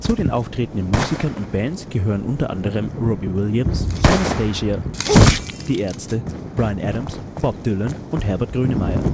Zu den auftretenden Musikern und Bands gehören u.a. Robbie Williams, Anastacia, Pink, Die Ärzte, Bryan Adams, Bob Dylan und Herbert Grönemeyer.